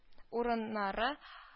Урыннары